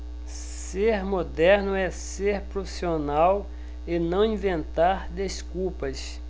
ser moderno é ser profissional e não inventar desculpas